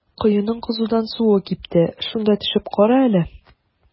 Коеның кызудан суы кипте, шунда төшеп кара әле.